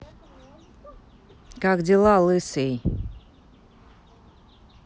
как дела лысый